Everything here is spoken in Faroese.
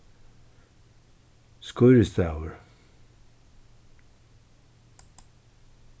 skírisdagur